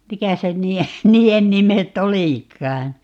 mikä se niiden niiden nimet olikaan